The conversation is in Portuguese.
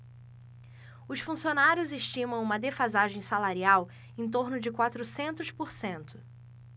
os funcionários estimam uma defasagem salarial em torno de quatrocentos por cento